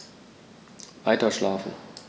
Weiterschlafen.